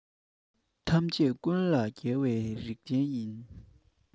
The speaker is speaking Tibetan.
ཐམས ཅད ཀུན ལས རྒྱལ བའི རིག ཅན ཡིན